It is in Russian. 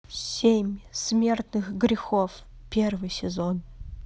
семь смертных грехов первый сезон